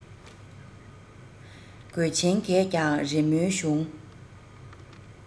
གོས ཆེན རྒས ཀྱང རི མོའི གཞུང